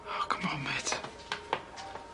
O c'mon mêt.